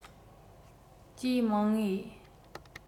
གྱིས མང ངེས